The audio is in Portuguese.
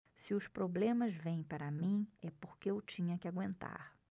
se os problemas vêm para mim é porque eu tinha que aguentar